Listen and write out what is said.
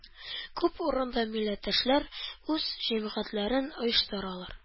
Күп урында милләттәшләр үз җәмгыятьләрен оештыралар